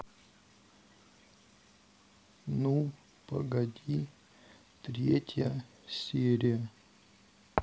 ну погоди третья серия